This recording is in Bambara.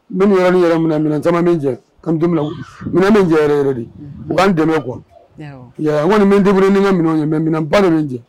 N bɛ ni yɔrɔni min yɛrɛ la minɛn caman bɛ jɛ, a bɛ don mi na i ko bi minɛn bɛ n jɛ yɛrɛ yɛrɛ, u ka n dɛmɛ quoi awɔ, i y’a ye wa n kɔni n bɛ débrouiller ni n ka minɛnw ye, mais minɛnba de bɛ n jɛ.